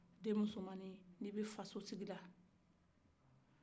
den musomani ni bɛ faso sigila